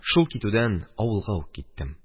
Шул китүдән авылга ук киттем.